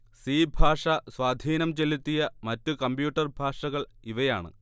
C ഭാഷ സ്വാധീനം ചെലുത്തിയ മറ്റു കമ്പ്യൂട്ടർ ഭാഷകൾ ഇവയാണ്